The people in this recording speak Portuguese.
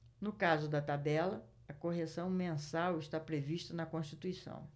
no caso da tabela a correção mensal está prevista na constituição